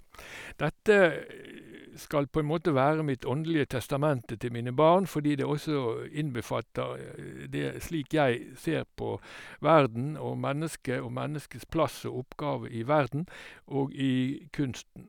Dette skal på en måte være mitt åndelige testamente til mine barn, fordi det også innbefatter det slik jeg ser på verden og mennesket og menneskets plass og oppgave i verden, og i kunsten.